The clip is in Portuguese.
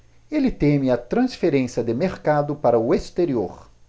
ele teme a transferência de mercado para o exterior